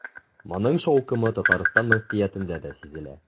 Моның шаукымы Татарстан мөфтиятендә дә сизелә.